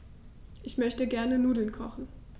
Ich möchte gerne Nudeln kochen.